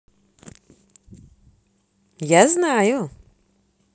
я знаю